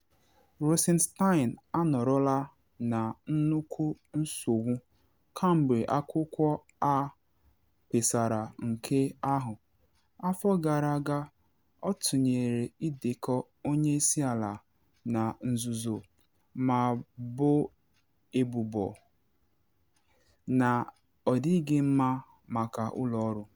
Rosenstein anọrọla na nnukwu nsogbu kemgbe akwụkwọ a kpesara nke ahụ, afọ gara aga, ọ tụnyere ịdekọ onye isi ala na nzuzo ma boo ebubo na ọ dịghị mma maka ụlọ ọrụ.